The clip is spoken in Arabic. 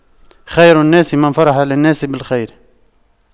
خير الناس من فرح للناس بالخير